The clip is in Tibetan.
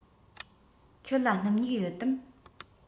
ཁྱོད ལ སྣུམ སྨྱུག ཡོད དམ